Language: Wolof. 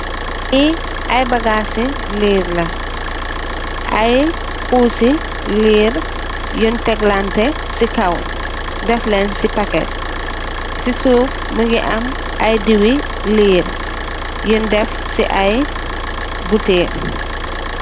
Li ay bagaasi liir la, ay kusee liir yun teklanteh ci kaw def lèèn ci paket ci suuf mugii am ay diwi liir yun def ci ay bottèl.